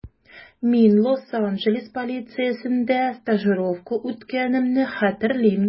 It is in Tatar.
Мин Лос-Анджелес полициясендә стажировка үткәнемне хәтерлим.